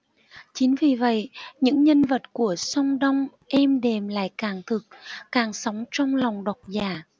chính vì vậy những nhân vật của sông đông êm đềm lại càng thực càng sống trong lòng độc giả